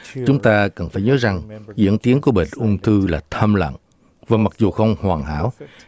chúng ta cần phải nhớ rằng diễn tiến của bệnh ung thư là thầm lặng và mặc dù không hoàn hảo